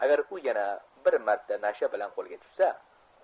agar u yana bir marta nasha bilan qo'lga tushsa